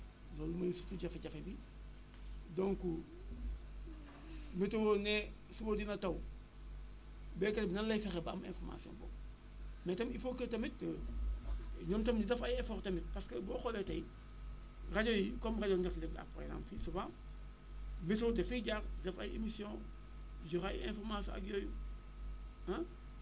loolu mooy surtout jafe bi donc météo ne suba dina taw béykat bi nan lay fexe ba am information boobu mais tamit il faut que tamit ñoom i tam ñu def ay effors tamit parce que boo xoolee tey rajo yi comme rajo Ndefleng par exemple fii souvent météo daf fay jaar def ay émissions joxe ay informations ak yooyu ah